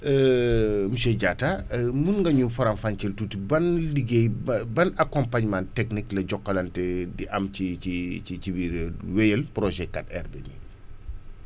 monsieur Diatta mun nga ñu faram-fàcceel tuuti ban liggéey ba ban accompagnement technique la Jokalante di am ci ci ci ci biir wéyal projet 4R bi nii